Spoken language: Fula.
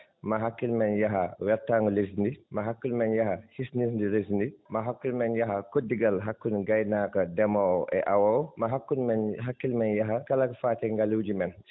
maa hakkille men yaha wertaago lesdi ndi ma hakkille men yaha hisnude lesdi ndi ma hakkille men yaha koddigal hakkunde gaynaako ndemowo e awoowo ma hakkunde men hakkille men yaha kala ko faatii e ngaluuji men